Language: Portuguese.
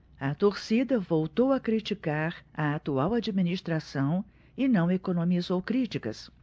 a torcida voltou a criticar a atual administração e não economizou críticas